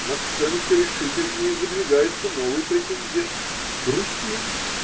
На сцену все решительнее выдвигается новый претендент: русины.